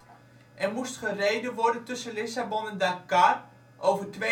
en moest gereden worden tussen Lissabon en Dakar over 9273